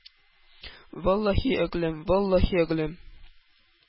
-валлаһи әгълам, валлаһи әгълам.